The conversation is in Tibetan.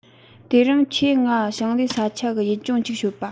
དེ རིང ཁྱོས ངའ ཞིང ལས ས ཆ གི ཡུལ ལྗོངས ཅིག ཤོད པྰ